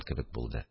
Кебек булды